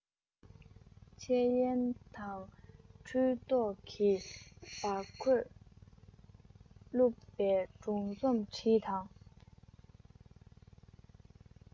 འཆལ ཡན དང འཁྲུལ རྟོག གི འབག གོས བཀླུབས པའི སྒྲུང རྩོམ བྲིས དང